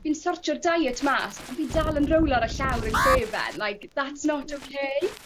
fi'n sortio'r diet mas on' fi dal yn rowlo ar y llawr yn llefen like that's not ok*.